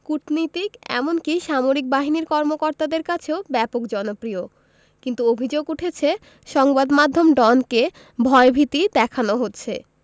কূটনীতিক এমনকি সামরিক বাহিনীর কর্মকর্তাদের কাছেও ব্যাপক জনপ্রিয় কিন্তু অভিযোগ উঠেছে সংবাদ মাধ্যম ডনকে ভয়ভীতি দেখানো হচ্ছে